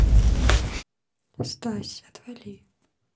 стась отвали